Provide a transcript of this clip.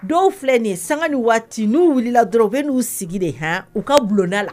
Dɔw filɛnen san ni waati n'u wulila dɔrɔn u bɛ n'u sigi de h u ka bulonda la